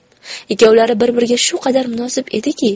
ikkovlari bir biriga shu qadar munosib ediki